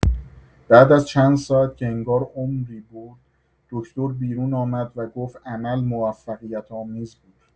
بعد از چند ساعت که انگار عمری بود، دکتر بیرون آمد و گفت عمل موفقیت‌آمیز بود.